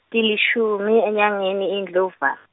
tilishumi enyangeni Indlova-.